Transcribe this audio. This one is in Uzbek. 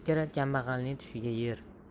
kirar kambag'alning tushiga yer